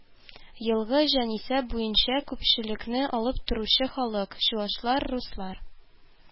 Елгы җанисәп буенча күпчелекне алып торучы халык: чуашлар, руслар